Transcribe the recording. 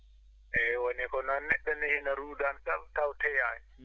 eeyi woni ko noon neɗɗo nehhi ne ruudan tan tawtoyaani